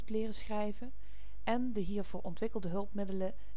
leren schrijven en de hiervoor ontwikkelde hulpmiddelen